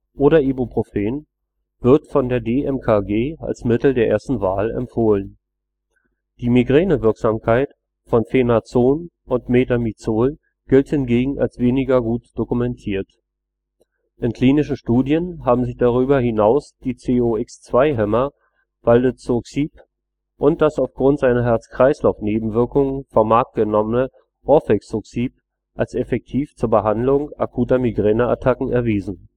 oder Ibuprofen, wird von der DMKG als Mittel der ersten Wahl empfohlen. Die Migränewirksamkeit von Phenazon und Metamizol gilt hingegen als weniger gut dokumentiert. In klinischen Studien haben sich darüber hinaus die COX-2-Hemmer Valdecoxib und das auf Grund seiner Herz-Kreislauf-Nebenwirkungen vom Markt genommene Rofecoxib als effektiv zur Behandlung akuter Migräneattacken erwiesen